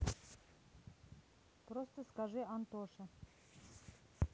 просто скажи антоша